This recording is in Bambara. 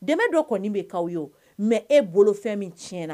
Dɛmɛ dɔ kɔni bɛ'aw ye mɛ e bolo fɛn min ti na